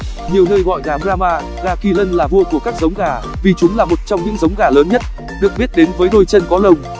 nhiều nơi gọi gà brahma gà kỳ lân là vua của các giống gà vì chúng là một trong những giống gà lớn nhất được biết đến với đôi chân có lông